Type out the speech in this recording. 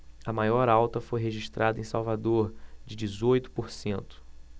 a maior alta foi registrada em salvador de dezoito por cento